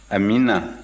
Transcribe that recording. amiina